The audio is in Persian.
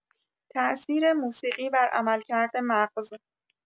تاثیر موسیقی بر عملکرد مغز